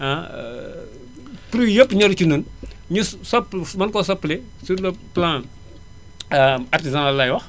ah fruits yooyu yépp ñoree ci ñun ñu soppi mën koo soppali sur le plan artisanal laay wax